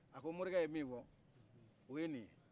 a ko morikɛ ye min fɔ o ye nin ye